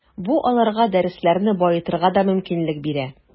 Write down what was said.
Бу аларга дәресләрне баетырга да мөмкинлек бирә.